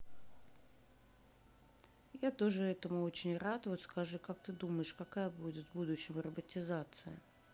я тоже этому очень рад вот скажи как ты думаешь какая будет в будущем роботизация